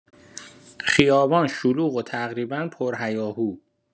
خیابان شلوغ و تقریبا پرهیاهو